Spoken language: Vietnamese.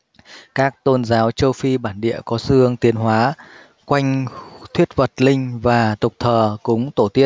các tôn giáo châu phi bản địa có xu hướng tiến hóa quanh thuyết vật linh và tục thờ cúng tổ tiên